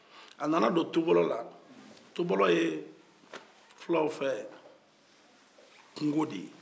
a nana don tubɔlɔla tubɔlɔ ye filaw fɛ kungo de ye